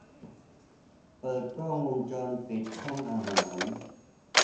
เปิดกล้องวงจรปิดห้องอาหาร